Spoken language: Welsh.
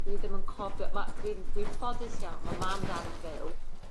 Dwi ddim yn co- b- ma'... Dwi'n dwi'n ffodus iawn ma' mam dal yn byw